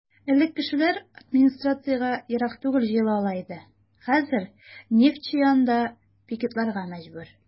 Элек кешеләр администрациягә ерак түгел җыела ала иде, хәзер "Нефтьче" янында пикетларга мәҗбүр.